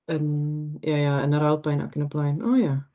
Yn ia ia, yn yr Alban ac yn y blaen, o ia.